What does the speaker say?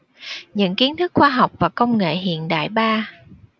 những kiến thức khoa học và công nghệ hiện đại ba